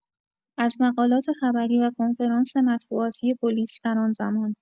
از مقالات خبری و کنفرانس مطبوعاتی پلیس در آن‌زمان